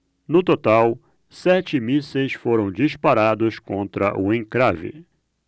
no total sete mísseis foram disparados contra o encrave